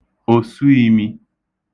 òsuīmī